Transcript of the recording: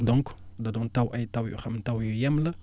donc da doon taw ay ay taw yoo xam ne taw yu yem la